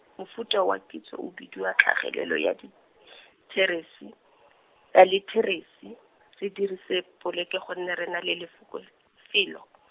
mofuta wa kitso o bidiwa tlhagelelo ya litheresi, ya litheresi, se dirise poleke gonne re na le lefoko, felo .